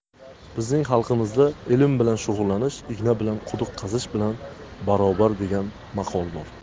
bizning xalqimizda ilm bilan shug'ullanish igna bilan quduq qazish bilan barobar degan maqol bor